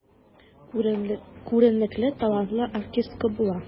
Күренекле, талантлы артистка була.